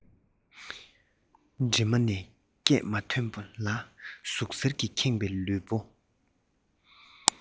མགྲིན པ ནས སྐད མ ཐོན ལ ཟུག གཟེར གྱིས ཁེངས པའི ལུས པོ